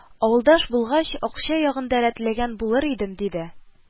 Авылдаш булгач, акча ягын да рәтләгән булыр идем, диде